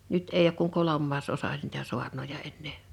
nyt ei ole kuin kolmasosa niitä saarnoja enää